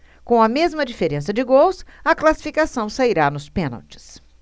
com a mesma diferença de gols a classificação sairá nos pênaltis